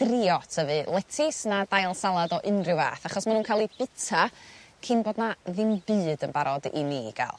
drio tyfu letys na dail salad o unryw fath achos ma' nw'n ca'l 'u bita cyn bod 'na ddim byd yn barod i mi ga'l.